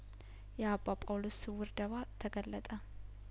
የአባ ጳውሎስ ስውር ደባ ተገለጠ